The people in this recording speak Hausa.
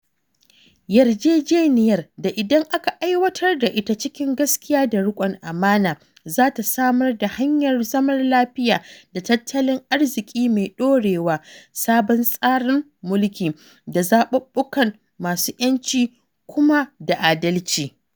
Yarjejeniyar da idan aka aiwatar da ita cikin gaskiya da rikon amana, za ta samar da hanyar zaman lafiya da tattalin arziki mai ɗorewa, sabon tsarin mulki, da zaɓuɓɓukan masu ƴanci kuma da adalci.